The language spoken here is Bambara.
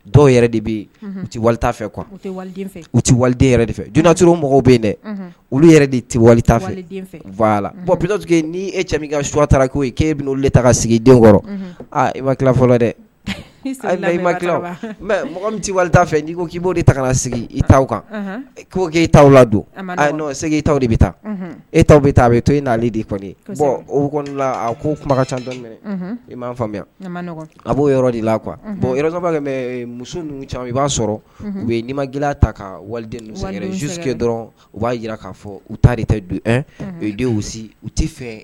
Dɔw yɛrɛ de bɛ yen u tɛ wali t' fɛ kuwa u tɛ waliden yɛrɛ de fɛ dunannatiri mɔgɔw bɛ yen dɛ olu yɛrɛ de tɛ wali t' fɛ' la p ppitigi ni e cɛ min ka suwata k'o k ee bɛ' ta ka sigi denw wɔɔrɔ i maki fɔlɔ dɛ hali i makilaw mɛ mɔgɔ bɛ tɛ wali ta fɛ n'i ko k'i'o de ta ka na sigi i t'aw kan' k'yita t'aw ladon a seg' de bɛ taa e' bɛ taa a bɛ to e'ale de bɔn o kɔnɔnala a ko kuma ka ca minɛ i m'a faamuya a b'o yɔrɔ de la qu kuwa bɔn yɔrɔ mɛ muso ninnu caman i b'a sɔrɔ u ye mala ta ka waliden susike dɔrɔn u b'a jira k'a fɔ u ta de tɛ don u ye denw si u tɛ fɛ